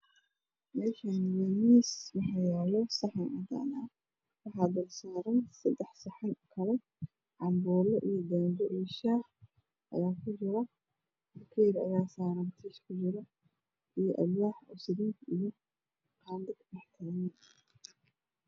Meeshaani waa miis waxaa yaalo saxan cadaan ah waxaa dulsaaran sedax saxan kale canbuulo iyo daango iyo shaax ayaa ku jiro bakeeri ayaa saaran oo tiish ku jiro iyo alwaax saliid Iyo qaando ku dhex jiraan